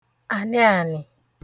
ànịànị̀